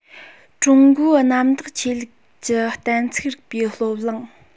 ཀྲུང གོའི གནམ བདག ཆོས ལུགས ཀྱི གཏན ཚིགས རིག པའི སློབ གླིང